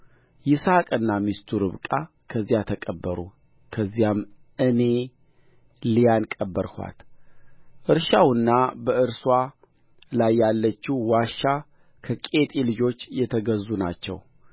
ይስሐቅና ሚስቱ ርብቃ ከዚያ ተቀበሩ ከዚያም እኔ ልያን ቀበርኋት እርሻውና በእርስዋ ላይ ያለችው ዋሻ ከኬጢ ልጆች የተገዙ ናቸው